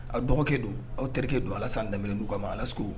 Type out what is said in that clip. A dɔgɔkɛ don, aw terikɛ don Alassane Dembele n'u k'a ma Alasko.